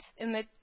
Өмет